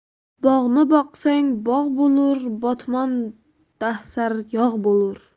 bog'ni boqsang bog' bo'lur botmon dahsar yog' bo'lur